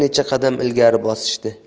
necha qadam ilgari bosishdi